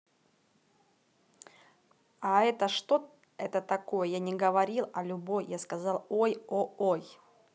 а это что это такое я не говорил о любой я сказал ой о ой